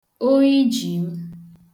Oyi ji m